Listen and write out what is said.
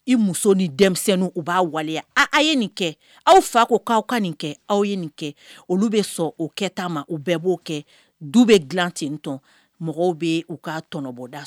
I muso ni denmisɛnnin u b'a waleya a aw ye nin kɛ aw fa ko k' aw ka nin kɛ aw ye nin kɛ olu bɛ sɔn o kɛ' ma u bɛɛ b'o kɛ du bɛ dila tentɔn mɔgɔw bɛ u ka tɔnɔbɔda